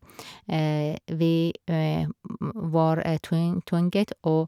Vi var tvung tvunget å...